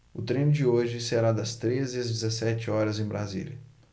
o treino de hoje será das treze às dezessete horas em brasília